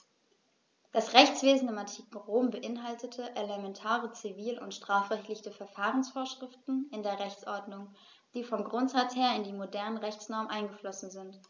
Das Rechtswesen im antiken Rom beinhaltete elementare zivil- und strafrechtliche Verfahrensvorschriften in der Rechtsordnung, die vom Grundsatz her in die modernen Rechtsnormen eingeflossen sind.